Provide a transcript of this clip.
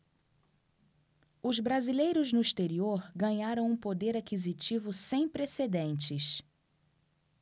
os brasileiros no exterior ganharam um poder aquisitivo sem precedentes